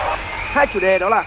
hai chủ đề đó là